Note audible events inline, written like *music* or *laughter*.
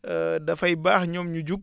*hesitation* dafay baax ñoom ñu jug